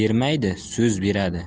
bermaydi so'z beradi